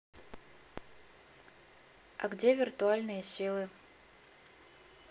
а где витуальные силы